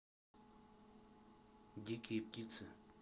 дикие птицы